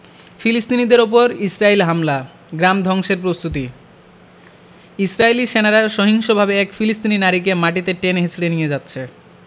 ফিলিস্তিনিদের ওপর ইসরাইলের হামলা গ্রাম ধ্বংসের প্রস্তুতি ইসরাইলী সেনারা সহিংসভাবে এক ফিলিস্তিনি নারীকে মাটিতে টেনে হেঁচড়ে নিয়ে যাচ্ছে